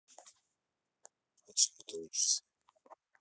а чему ты учишься